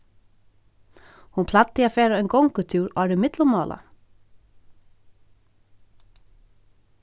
hon plagdi at fara ein gongutúr áðrenn millummála